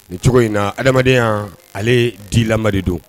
Nin cogo in adamdenya ale di lama don.